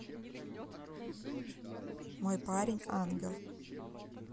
мой парень ангел